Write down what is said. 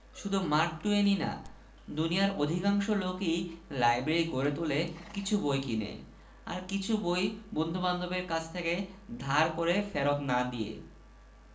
এই আমি কছম কাটিলাম এখন হইতে আর যদি তোমার গায়ে হাত তুলি তখন যাহা হয় করিও